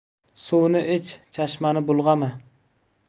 suvni ich chashmani bulg'ama